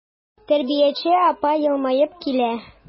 Тәрбияче апа елмаеп килә.